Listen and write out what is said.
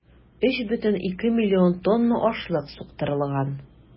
3,2 млн тонна ашлык суктырылган.